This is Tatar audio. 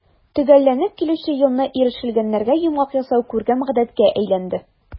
Төгәлләнеп килүче елны ирешелгәннәргә йомгак ясау күркәм гадәткә әйләнде.